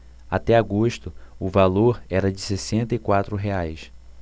até agosto o valor era de sessenta e quatro reais